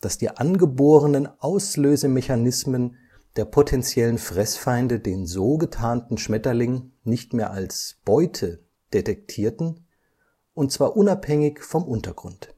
dass die angeborenen Auslösemechanismen der potenziellen Fressfeinde den so getarnten Schmetterling nicht mehr als ‚ Beute ‘detektieren, und zwar unabhängig vom Untergrund